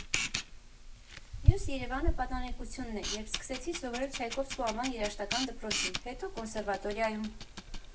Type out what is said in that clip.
Մյուս Երևանը պատանեկությունն է, երբ սկսեցի սովորել Չայկովսկու անվան երաժշտական դպրոցում, հետո՝ կոնսերվատորիայում։